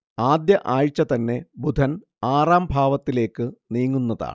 ആദ്യ ആഴ്ച തന്നെ ബുധൻ ആറാം ഭാവത്തിലേയ്ക് നീങ്ങുന്നതാണ്